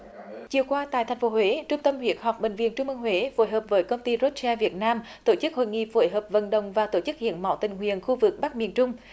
chiều qua tại thành phố huế trung tâm huyết học bệnh viện trung ương huế phối hợp với công ty rốt che việt nam tổ chức hội nghị phối hợp vận động và tổ chức hiến máu tình nguyện khu vực bắc miền trung